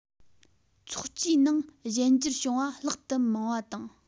ཚོགས སྤྱིའི ནང གཞན འགྱུར བྱུང བ ལྷག ཏུ མང བ དང